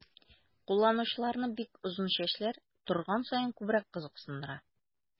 Кулланучыларны бик озын чәчләр торган саен күбрәк кызыксындыра.